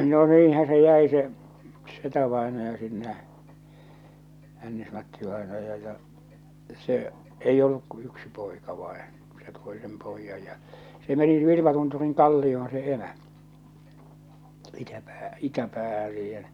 no niinhän se jäi se setävainaja sinne Hännis-Matti-vainaja ja se ei ollut kuin yksi poika vain se toi sen pojan ja se meni Vilmatunturin kallioon se emä - itäpäähän siihen